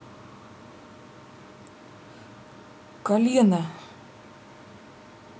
колено